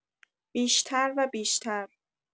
بیشتر و بیشتر